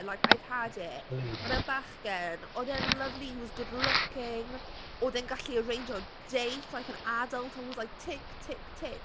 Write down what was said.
Like, I've had it. Ma' 'na bachgen. Odd e'n lyfli, he was good looking oedd e'n gallu yreinjo date, like an adult! I was like, tick, tick, tick.